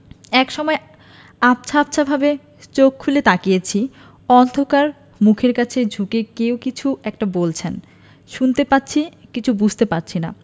একসময় আবছা আবছাভাবে চোখ খুলে তাকিয়েছি অন্ধকার মুখের কাছে ঝুঁকে কেউ কিছু একটা বলছেন শুনতে পাচ্ছি কিন্তু বুঝতে পারছি না